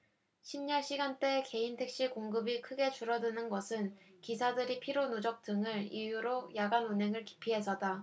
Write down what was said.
심야시간대 개인택시 공급이 크게 줄어드는 것은 기사들이 피로 누적 등을 이유로 야간 운행을 기피해서다